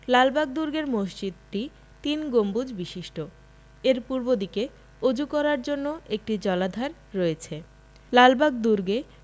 লালবাগ দুর্গের মসজিদটি তিন গম্বুজ বিশিষ্ট এর পূর্বদিকে ওজু করার জন্য একটি জলাধার রয়েছে লালবাগ দুর্গে